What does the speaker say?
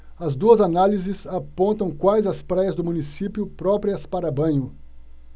as duas análises apontam quais as praias do município próprias para banho